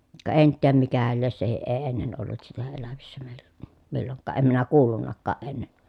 ka en tiedä mikähän lie sekin ei ennen ollut sitä elävissä meillä milloinkaan en minä kuullutkaan ennen